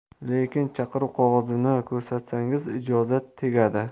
lekin chaqiruv qog'ozini ko'rsatsangiz ijozat tegadi